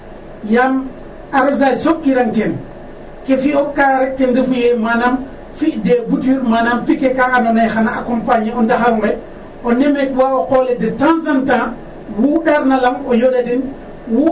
Yaam arrosage soɓkirang ten ke o fi'ka rek ten refu ye manam fi' des bouteille manam piquet ka andoona ye xan a accompagner o ndaxar onqe o nemekuwa o qol le de temps en temps wu ɗaarna a lang o yoɗ a den.